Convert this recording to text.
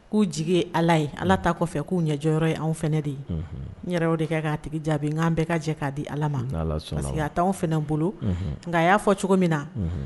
K'u jigi ala ye ala ta kɔfɛ k'u ɲɛjɔ ye anw de ye n yɛrɛ de kɛ k'a tigi jaabi n'an bɛɛ ka jɛ k'a di ala ma parce que a taa anw bolo nka a y'a fɔ cogo min na